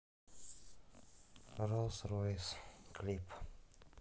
ролс ройс клип